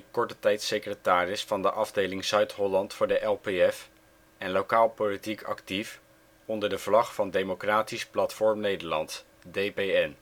korte tijd secretaris van de afdeling Zuid-Holland voor de LPF en lokaal politiek actief onder de vlag van Democratisch Platform Nederland (DPN). In 2006